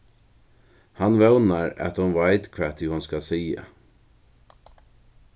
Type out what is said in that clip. hann vónar at hon veit hvat ið hon skal siga